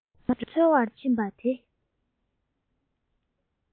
མེ ཏོག སྒྲོན མ འཚོལ བར ཕྱིན པ དེ